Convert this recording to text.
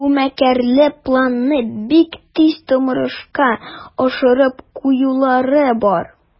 Бу мәкерле планны бик тиз тормышка ашырып куюлары бар.